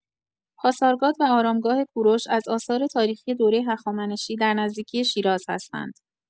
پاسارگاد و آرامگاه کوروش از آثار تاریخی دوره هخامنشی در نزدیکی شیراز هستند.